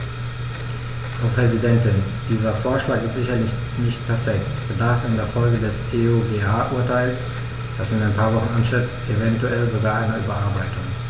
Frau Präsidentin, dieser Vorschlag ist sicherlich nicht perfekt und bedarf in Folge des EuGH-Urteils, das in ein paar Wochen ansteht, eventuell sogar einer Überarbeitung.